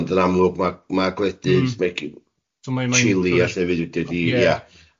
Ond yn amlwg ma' ma' gwledydd...Mm... megi- Chile a llefydd wed- wedi, ia